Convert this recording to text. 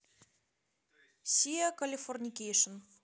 сиа калифорникейшн